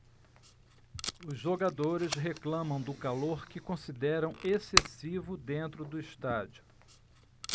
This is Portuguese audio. os jogadores reclamam do calor que consideram excessivo dentro do estádio